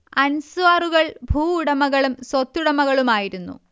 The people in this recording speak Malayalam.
അൻസ്വാറുകൾ ഭൂവുടമകളും സ്വത്തുടമകളുമായിരുന്നു